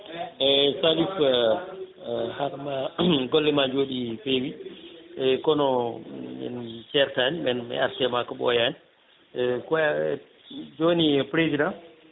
eyyi kadi ko hadam gollema jooɗi pewi eyyi kono en certani men mi arta ema ko ɓoyani joni président